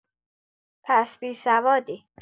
پس بی‌سوادی